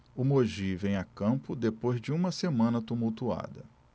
o mogi vem a campo depois de uma semana tumultuada